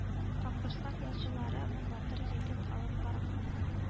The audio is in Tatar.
Капкорсак ялчылары батыр егет алып барган